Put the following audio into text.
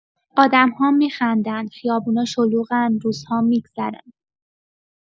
آدم‌ها می‌خندن، خیابونا شلوغن، روزها می‌گذرن.